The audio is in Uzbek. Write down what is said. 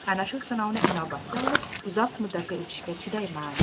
ana shu sinovni inobatga olib uzoq muddatli uchishga chidayman